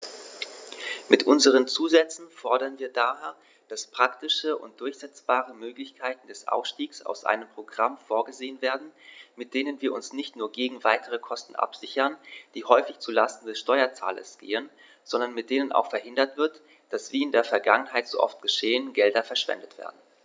Mit unseren Zusätzen fordern wir daher, dass praktische und durchsetzbare Möglichkeiten des Ausstiegs aus einem Programm vorgesehen werden, mit denen wir uns nicht nur gegen weitere Kosten absichern, die häufig zu Lasten des Steuerzahlers gehen, sondern mit denen auch verhindert wird, dass, wie in der Vergangenheit so oft geschehen, Gelder verschwendet werden.